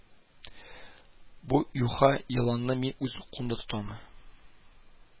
Бу юха еланны мин үз кулымда тотам